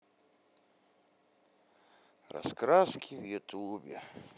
раскраски в ютубе